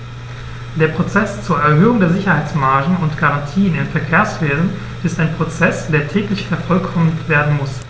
Der Prozess zur Erhöhung der Sicherheitsmargen und -garantien im Verkehrswesen ist ein Prozess, der täglich vervollkommnet werden muss.